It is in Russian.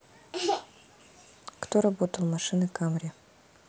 кто работал машины камри